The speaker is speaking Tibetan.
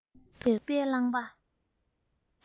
སྐབས དེར ཐུག པའི རླངས པ